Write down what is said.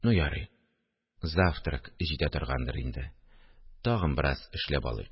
Ну, ярый, завтрак җитә торгандыр инде, тагын бераз эшләп алыйк